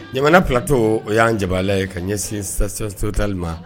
Jamana filatɔ o y'an jabaala ye ka ɲɛsinsotali ma